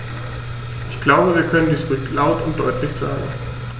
Ich glaube, wir können dies ruhig laut und deutlich sagen.